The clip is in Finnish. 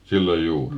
silloin juuri